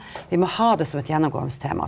vi må ha det som et gjennomgangstema.